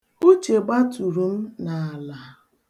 Uche gbaturu m n'ala.